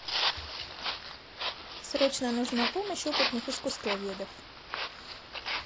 срочно нужна помощь опытных искусствоведов